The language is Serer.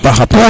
a paxa paax